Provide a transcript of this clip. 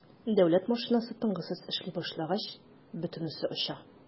Дәүләт машинасы тынгысыз эшли башлагач - бөтенесе оча.